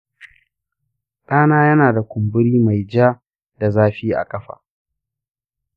ɗana yana da kumburi mai ja da zafi a ƙafa